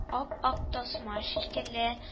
Ап-ак тасма шикелле